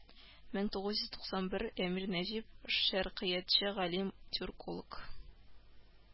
Мең тугыз йөз туксан бер әмир нәҗип, шәркыятьче галим, тюрколог